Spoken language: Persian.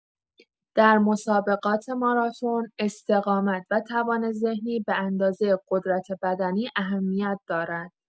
در مسابقات ماراتن، استقامت و توان ذهنی به‌اندازه قدرت‌بدنی اهمیت دارد.